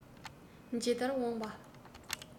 ཇི ལྟར འོངས པ